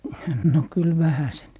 no kyllä vähäsen